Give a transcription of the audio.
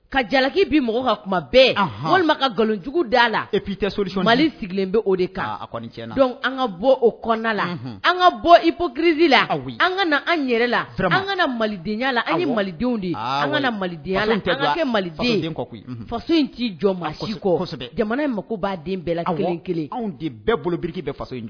Ka jalaki mɔgɔ ka kuma bɛɛ walima ka nkalonjugu da la ei so mali sigilen bɛ o de an ka bɔ o la an ka bɔ ipiri la an ka an yɛrɛ la an ka malidenyala an malidenw de ye ka maliden laden koyi faso in t'i jɔ maasigi ko jamana ye mako b' den bɛɛla kelen kelen anw de bɛɛ boloki bɛɛ faso